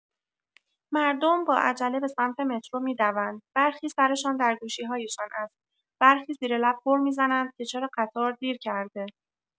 مردم با عجله به سمت مترو می‌دوند؛ برخی سرشان در گوشی‌هایشان است، برخی زیر لب غر می‌زنند که چرا قطار دیر کرده.